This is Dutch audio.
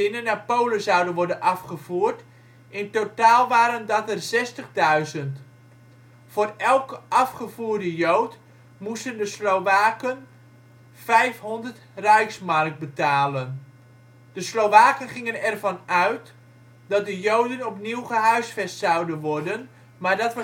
naar Polen zouden worden afgevoerd, in totaal waren dat er 60 000. Voor elke afgevoerde Jood moesten de Slowaken 500 Reichsmark betalen. De Slowaken gingen ervan uit dat de Joden opnieuw gehuisvest zouden worden, maar dat